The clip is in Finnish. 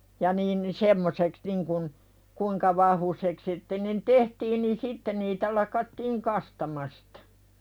ja niin niin semmoiseksi niin kuin kuinka vahvuiseksi sitten niin tehtiin niin sitten niitä lakattiin kastamasta